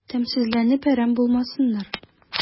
Тәмсезләнеп әрәм булмасыннар...